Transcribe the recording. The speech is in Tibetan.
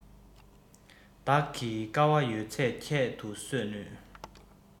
བདག གིས དཀའ བ ཡོད ཚད ཁྱད དུ གསོད ནུས